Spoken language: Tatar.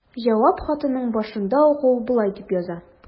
Җавап хатының башында ук ул болай дип яза.